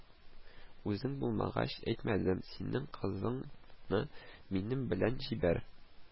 Үзең булмагач, әйтмәдем, син кызыңны минем белән җибәр